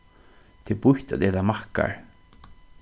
tað er býtt at eta maðkar